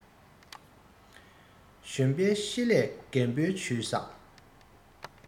གཞོན པའི ཤེད ལས རྒན པོའི ཇུས བཟང